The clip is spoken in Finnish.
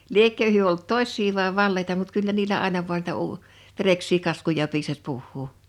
liekö he ollut tosia vai valeita mutta kyllä niillä aina vain niitä - vereksiä kaskuja piisasi puhua